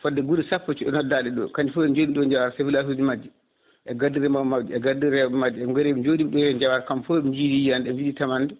fodde guure sappo noddaɗi ɗo kañƴi fo * majji e * ɓe gaari ɓe jooɗma ɗo e Diawar kamɓe foof ɓe ji yiyande ji tamande